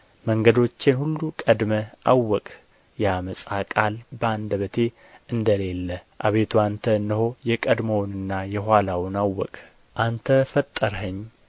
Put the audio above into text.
መንገዶቼን ሁሉ ቀድመህ አወቅህ የዓመፃ ቃል በአንደበቴ እንደሌለ አቤቱ አንተ እነሆ የቀድሞውንና የኋላውን አወቅህ አንተ ፈጠርኸኝ